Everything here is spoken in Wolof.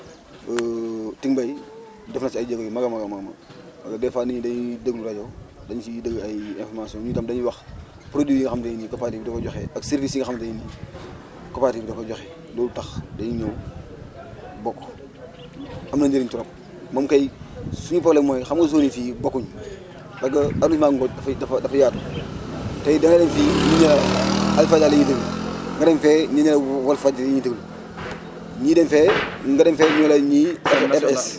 te loolu yëpp ticmbay def na si ay jéego yu mag a mag a mag des fois nit ñi dañuy déglu rajo dañ siy dégg ay informations ñun tamit dañuy wax produits yoo xam te ne nii coopérative bi da koy joxe ak service yi nga xam te ne nii coopérative bi da koy joxe loolu tax dañuy ñëw bokk am na njëriñ trop moom kay suñu problème mooy xam nga zones yi fii bokkuñ parce que arrondissement Ngothie dafay dafa dafa yaatu te it da ngay de fii ñu ne la Alfayda la ñuy déglu nga dem fee ñu ne Walfadjiri la ñuy déglu ñii dem fee nga dem fee ñu ne la ñii